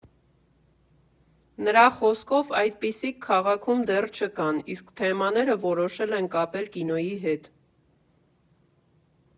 Նրա խոսքով՝ այդպիսիք քաղաքում դեռ չկան, իսկ թեմաները որոշել են կապել կինոյի հետ։